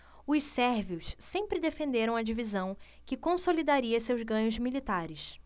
os sérvios sempre defenderam a divisão que consolidaria seus ganhos militares